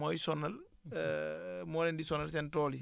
mooy sonal moo leen di sonal seen tool yi